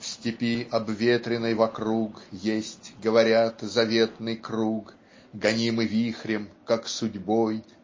В степи, обветренной вокруг, Есть, говорят, заветный круг. Гонимы вихрем как судьбой